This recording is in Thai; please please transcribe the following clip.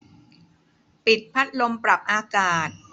ปิดพัดลมปรับอากาศ